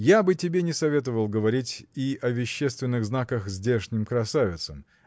Я бы тебе не советовал говорить и о вещественных знаках здешним красавицам